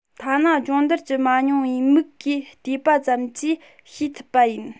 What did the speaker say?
ཐ ན སྦྱོང བརྡར བགྱི མ མྱོང བའི མིག གིས བལྟས པ ཙམ གྱིས ཤེས ཐུབ པ ཡིན